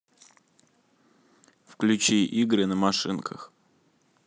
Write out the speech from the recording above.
включи игры на машинках